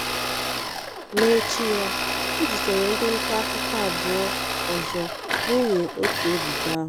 N'echi ya, e jidere ndị nta akụkọ abụọ ọzọ n'ihi otu ebubo ahụ.